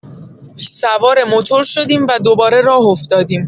سوار موتور شدیم و دوباره راه افتادیم.